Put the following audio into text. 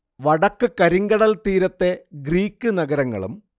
വടക്ക് കരിങ്കടൽ തീരത്തെ ഗ്രീക്ക് നഗരങ്ങളും